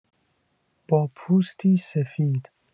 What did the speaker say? با پوستی سفید